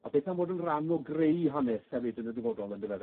A beth am fod yn ran o greu hanes hefyd yn y dyfodol on'd yfe?